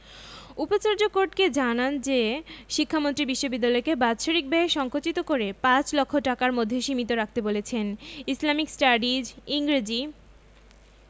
উপাচার্য কোর্টকে জানান যে শিক্ষামন্ত্রী বিশ্ববিদ্যালয়কে বাৎসরিক ব্যয় সংকুচিত করে পাঁচ লক্ষ টাকার মধ্যে সীমিত রাখতে বলেছেন ইসলামিক স্টাডিজ ইংরেজি